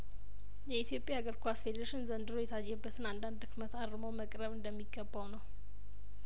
የኢትዮጵያ እግር ኳስ ፌዴሬሽን ዘንድሮ የታየበትን አንዳንድ ድክመት አር ሞ መቅረብ እንደሚገባው ነው